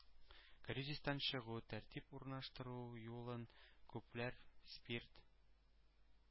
– кризистан чыгу, тәртип урнаштыру юлын күпләр спирт,